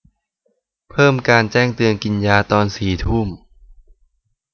เพิ่มการแจ้งเตือนกินยาตอนสี่ทุ่ม